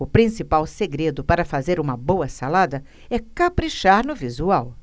o principal segredo para fazer uma boa salada é caprichar no visual